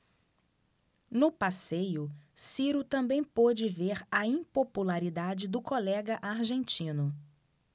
no passeio ciro também pôde ver a impopularidade do colega argentino